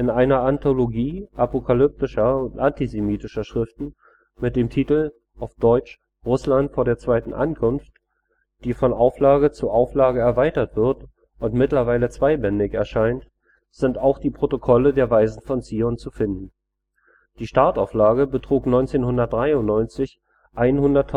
einer Anthologie apokalyptischer und antisemitischer Schriften mit dem Titel Россия перед вторым пришествием (dt.: „ Russland vor der zweiten Ankunft “), die von Auflage zu Auflage erweitert wird und mittlerweile zweibändig erscheint, sind auch die Protokolle der Weisen von Zion zu finden. Die Startauflage betrug 1993 100.000